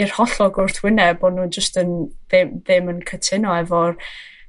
i'r hollol gwrthwyneb. Bo' nw'n jyst yn ddim ddim yn cytuno efo'r